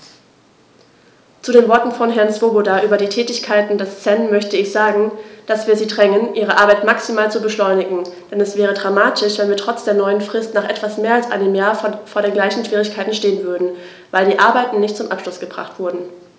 Zu den Worten von Herrn Swoboda über die Tätigkeit des CEN möchte ich sagen, dass wir sie drängen, ihre Arbeit maximal zu beschleunigen, denn es wäre dramatisch, wenn wir trotz der neuen Frist nach etwas mehr als einem Jahr vor den gleichen Schwierigkeiten stehen würden, weil die Arbeiten nicht zum Abschluss gebracht wurden.